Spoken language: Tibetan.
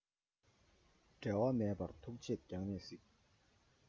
འབྲལ བ མེད པར ཐུགས རྗེས རྒྱང ནས གཟིགས